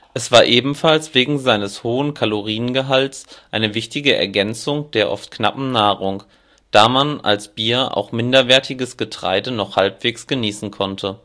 Es war ebenfalls wegen seines hohen Kaloriengehalts eine wichtige Ergänzung der oft knappen Nahrung, da man als Bier auch minderwertiges Getreide noch halbwegs genießen konnte